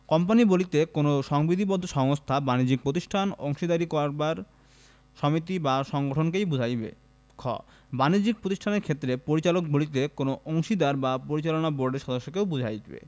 company বলিতে কোন সংবিধিবদ্ধ সংস্থা বাণিজ্যিক প্রতিষ্ঠান অংশীদারী কারবার সমিতি বা সংগঠনকেও বুঝাইবে খ বাণিজ্যিক প্রতিষ্ঠানের ক্ষেত্রে পরিচালক বলিতে কোন অংশীদার বা পরিচালনা বোর্ডের সদস্যকেও বুঝাইবে